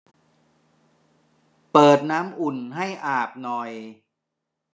เปิดน้ำอุ่นให้อาบหน่อย